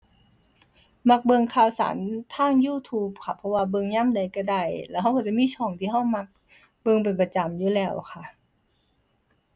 มักเบิ่งข่าวสารทาง YouTube ค่ะ เพราะว่าเบิ่งยามใดก็ได้ แล้วก็ก็จะมีช่องที่ก็มักเบิ่งเป็นประจำอยู่แล้วค่ะ